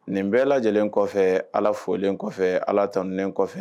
Nin bɛɛ lajɛlenlen kɔfɛ ala folilen kɔfɛ ala tanunen kɔfɛ